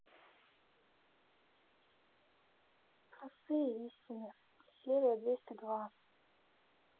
простые истины серия двести два